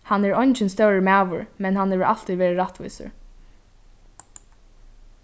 hann er eingin stórur maður men hann hevur altíð verið rættvísur